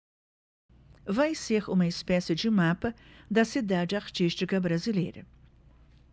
vai ser uma espécie de mapa da cidade artística brasileira